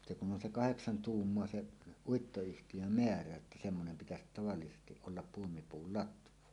se kun on se kahdeksan tuumaa se Uittoyhtiön määrä että semmoinen pitäisi tavallisesti olla puomipuun latvan